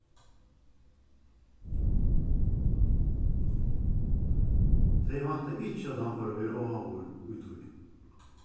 tey væntaðu ikki at hann fór at vera áhugaður í tí